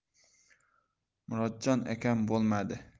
murodjon akam bo'lmadi